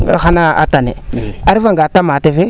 xana a tane a refa nga tomate fee